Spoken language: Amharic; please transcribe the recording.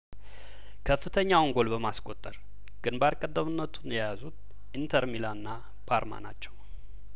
ከፍተኛውን ጐል በማስቆጠር ግንባር ቀደምት ነቱን የያዙ ኢንተር ሚላና ፓርማ ናቸው